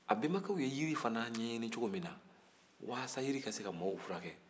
a benbakɛw ye yiri fana ɲɛɲini cogo min na walasa yiri ka se ka mɔgɔw furakɛ